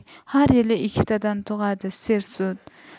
har yili ikkitadan tug'adi sersut